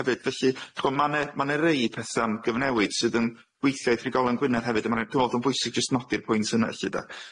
hefyd felly ch'mo' ma' ne ma' ne rei petha'n gyfnewid sydd yn gweithio i trigolion Gwynedd hefyd a ma' ne dwi me'wl odd o'n bwysig jyst nodi'r pwynt yna felly de.